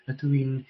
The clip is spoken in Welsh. ydw i'n